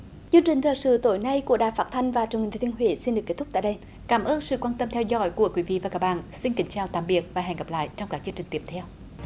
chương trình thời sự tối nay của đài phát thanh và truyền hình thừa thiên huế xin được kết thúc tại đây cảm ơn sự quan tâm theo dõi của quý vị và các bạn xin kính chào tạm biệt và hẹn gặp lại trong các chương trình tiếp theo